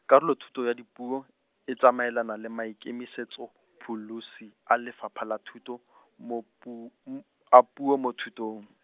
Karolothuto ya Dipuo, e tsamaelana le maikemisetsopholosi, a Lefapha la Thuto , mo pu-, m-, a puo mo thutong .